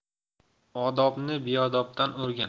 odobni beodobdan o'rgan